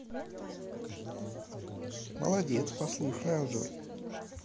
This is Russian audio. молодец послушная джой